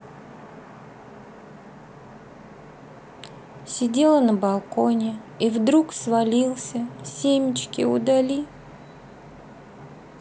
сидела на балконе и вдруг свалился семечки удали